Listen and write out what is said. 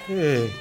Ee